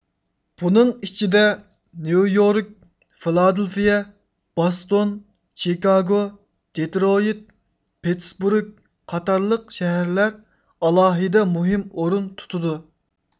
بۇنىڭ ئىچىدە نيويورك فىلادېلفىيە باستون چېكاگو دېتىرويىت پىتتىسىپۇرگ قاتارلىق شەھەرلەر ئالاھىدە مۇھىم ئورۇن تۇتىدۇ